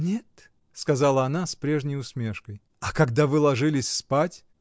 — Нет, — сказала она с прежней усмешкой. — А когда вы ложились спать.